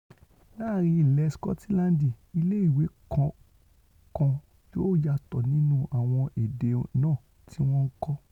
Láàrin ilẹ̀ Sikọtiland, ilé ìwé kọ̀ọ̀kan yóò yàtọ̀ nínú àwọn èdè náà tíwọn ńkọ́.